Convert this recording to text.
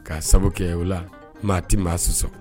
Ka sababu kɛ o la maati ma sɔsɔ